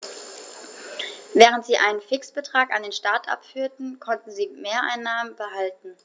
Während sie einen Fixbetrag an den Staat abführten, konnten sie Mehreinnahmen behalten.